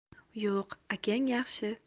yo'q akang yaxshi